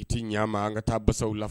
I tɛ ɲɛ an ma, an ka taa basaw la